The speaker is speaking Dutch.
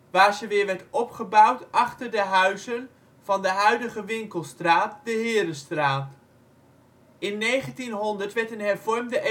waar ze weer werd opgebouwd achter de huizen van de huidige winkelstraat (Herestraat). In 1900 werd een hervormde